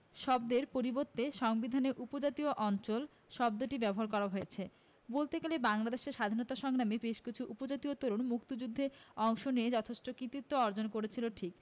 শব্দের পরিবর্তে সংবিধানে উপজাতীয় অঞ্চল শব্দটি ব্যবহার করা হয়েছে বলতে গেলে বাংলাদেশের স্বাধীনতা সংগ্রামে বেশকিছু উপজাতীয় তরুণ মুক্তিযুদ্ধে অংশ নিয়ে যথেষ্ট কৃতিত্ব অর্জন করেছিল ঠিক